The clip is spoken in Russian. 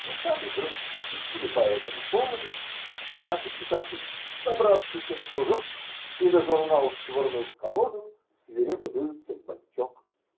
Мы сами грустно шутили по этому поводу, что наши читатели, -- собравшися в кружок И на журнал швырнув колоду, Свирепо дуются в банчок!